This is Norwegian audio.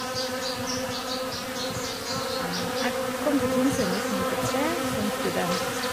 Jeg kom til Tromsø i nitten nittitre, som student.